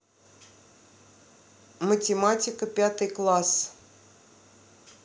математика пятый класс